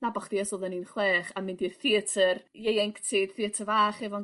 nabo' chdi ers oddan i'n chwech a mynd i'r theatr ieuenctid theatr fach efo'n